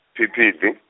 Phiphiḓi.